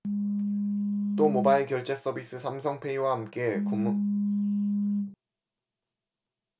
또 모바일 결제 서비스 삼성페이와 함께 금융과 결제 등 서비스 측면에서도 시너지를 낼 수 있게 된다